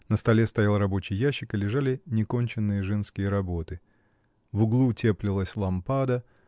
на столе стоял рабочий ящик и лежали неконченные женские работы. В углу теплилась лампада